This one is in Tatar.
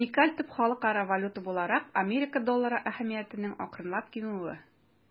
Уникаль төп халыкара валюта буларак Америка доллары әһәмиятенең акрынлап кимүе.